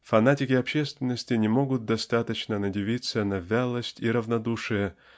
Фанатики общественности не могут достаточно надивиться на вялость и равнодушие